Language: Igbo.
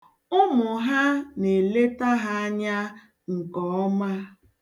Ụmụ ha na-eleta ha anya nke ọma.